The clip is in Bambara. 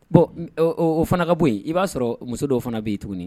Bɔn o fana ka bɔ yen i b'a sɔrɔ muso dɔw fana bɛ yen tuguni